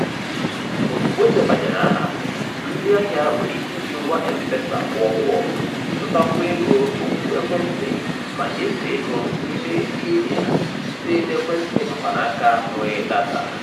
Ozugbo e debanyere aha, ndị ahịa nwere ike iji ngwa M-Pesa kwụọ ụgwọ, zụtakwuo ego okwu ekwentị ma nyefee ego n'ime Kenya site n'ekwentị mkpanaka nwere data.